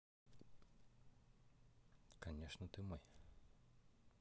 конечно ты мой